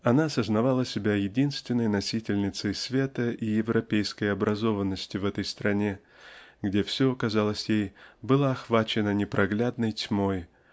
Она сознавала себя единственной носительницей света и европейской образованности в этой стране где все казалось ей было охвачено непроглядной тьмой